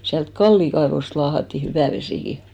sieltä Kallin kaivosta laahattiin hyvä vesikin